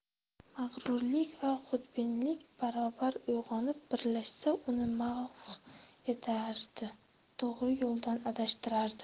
mag'rurlik va xudbinlik baravar uyg'onib birlashsa uni mahv etardi to'g'ri yo'ldan adashtirardi